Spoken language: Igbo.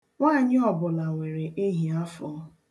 Nwaanyị ọbụla nwere ehiafọ.